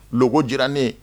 Dondinen